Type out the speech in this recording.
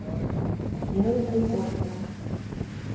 сделай три порции